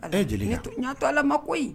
Ale jelikɛtɔ la ma koyi